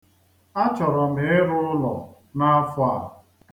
A chọrọ m ịrụ ụlọ n'afọ a.